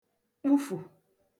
kpufụ̀